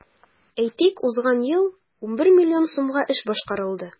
Әйтик, узган ел 11 миллион сумга эш башкарылды.